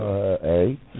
eyyi